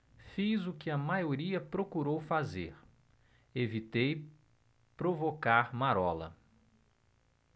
fiz o que a maioria procurou fazer evitei provocar marola